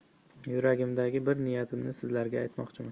yuragimdagi bir niyatimni sizlarga aytmoqchiman